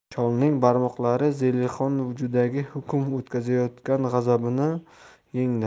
cholning barmoqlari zelixon vujudiga hukm o'tkazayotgan g'azabini yengdi